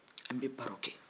an bɛ baro kɛ